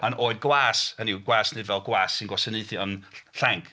A yn oed gwas, hynny yw gwas nid fel gwas sy'n gwasanaethu ond ll- llanc.